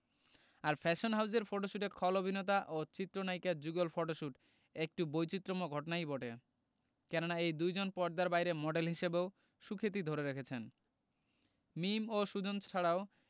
আর fashion হাউজের ফটোশুটে খল অভিনেতা ও চিত্রনায়িকার যুগল ফটোশুট একটু বৈচিত্রময় ঘটনাই বটে কেননা এই দুইজন পর্দার বাইরে মডেল হিসেবেও সুখ্যাতি ধরে রেখেছেন মিম ও সুজন ছাড়াও